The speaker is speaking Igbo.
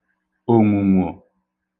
ònwùnwò